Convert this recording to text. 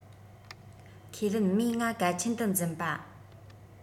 ཁས ལེན མོས ང གལ ཆེན དུ འཛིན པ